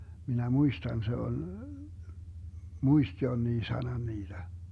minä muistan se oli muisti jonkin sanan niitä